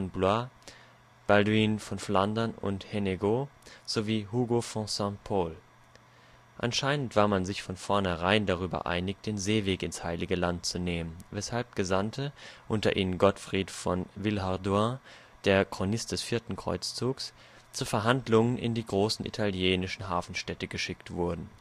Blois, Balduin von Flandern und Hennegau sowie Hugo von St. Pol. Anscheinend war man sich von Vornherein darüber einig, den Seeweg ins Heilige Land zu nehmen, weshalb Gesandte (unter ihnen Gottfried von Villehardouin, der Chronist des Vierten Kreuzzugs) zu Verhandlungen in die großen italienischen Hafenstädte geschickt wurden